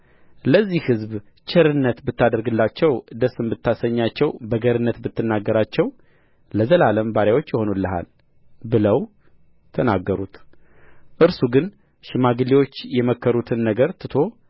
ለዚህ ሕዝብ ቸርነት ብታደርግላቸው ደስም ብታሰኛቸው በገርነትም ብትናገራቸው ለዘላለም ባሪያዎች ይሆኑልሃል ብለው ተናገሩት እርሱ ግን ሽማግሌዎች የመከሩትን ነገር ትቶ